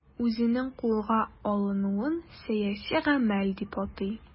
Үзенең кулга алынуын сәяси гамәл дип атый.